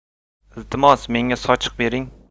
iltimos menga sochiq bering